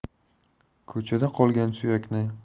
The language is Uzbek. ko'chada qolgan suyakni